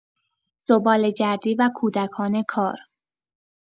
زباله‌گردی و کودکان کار